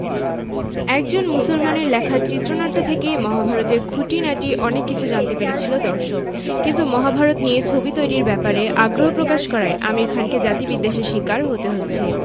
একজন মুসলমানের লেখা চিত্রনাট্য থেকেই মহাভারত এর খুঁটিনাটি অনেক কিছু জানতে পেরেছিল দর্শক কিন্তু মহাভারত নিয়ে ছবি তৈরির ব্যাপারে আগ্রহ প্রকাশ করায় আমির খানকে জাতিবিদ্বেষের শিকার হতে হচ্ছে